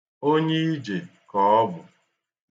Onye ije ka ọ bụ.